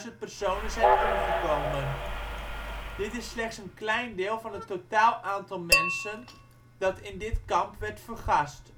personen zijn omgekomen. Dit is slechts een klein deel van het totaal aantal mensen dat in dit kamp werd vergast